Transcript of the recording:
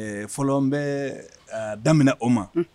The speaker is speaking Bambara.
Ɛɛ, Fɔlɔ, n bɛ a daminɛ o ma.